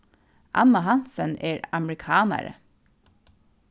anna hansen er amerikanari